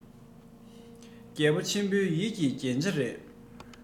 རྒྱལ པོ ཆེན པོ ཡུལ གྱི རྒྱན ཆ རེད